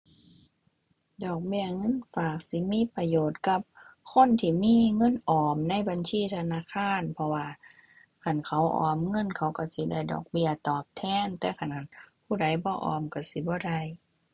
ดอกเบี้ยเงินฝากสิมีประโยชน์กับคนที่มีเงินออมในบัญชีธนาคาร เพราะว่าคันเขาออมเงิน เขาก็สิได้ดอกเบี้ยตอบแทน แต่คันหั้นผู้ใดบ่ออมก็สิบ่ได้